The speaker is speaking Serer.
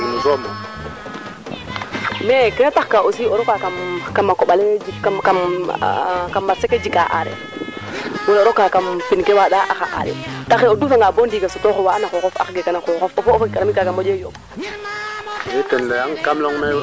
kaaga o buga nga ñoot noox no kaaga ñako an xoxoof soomo de i yaam o leya nga yoq we kaa leya jegiro mayu wene kaa njeg mayu wene njege mayu ndaa o kiino kiin nee fodona fod rek naaga waago fi o kiino kiin ne fo doona waago fi